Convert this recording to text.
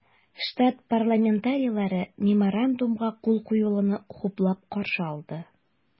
Штат парламентарийлары Меморандумга кул куелуны хуплап каршы алды.